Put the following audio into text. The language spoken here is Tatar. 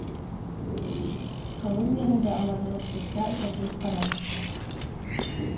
Колумбияне дә алар велосипедта үтәргә карар итә